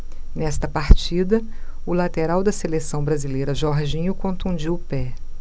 nesta partida o lateral da seleção brasileira jorginho contundiu o pé